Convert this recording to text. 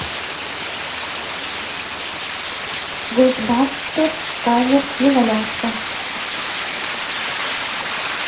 ghostbusters кавер неваляшка